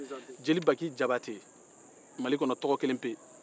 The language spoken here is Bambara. jeli baki jabatɛ mali kɔnɔ tɔgɔ kelen pe